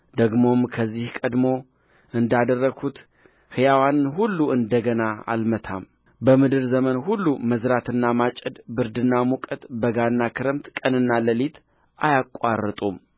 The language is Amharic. ደግሞም ከዚህ ቀድሞ እንዳደረግሁት ሕያዋንን ሁሉ እንደ ገና አልመታም በምድር ዘመን ሁሉ መዝራትና ማጨድ ብርድና ሙቀት በጋና ክረምት ቀንና ሌሊት አያቋርጡም